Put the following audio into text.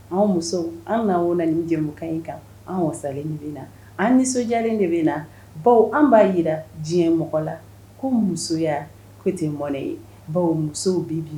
Anw an'an ni jɛ kan an de bɛ an nisɔndiyalen de bɛ na baw an b'a jira diɲɛ mɔgɔ la ko musoya ko tɛ mɔnɛ ye baw musow bɛ